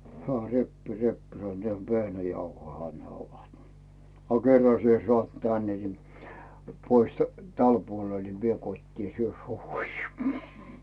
hän repii repii sanoo nehän vehnäjauhojahan ne ovat a kerran sinä saat tänne niin pois tälle puolelle niin vie kotiin syö suihisi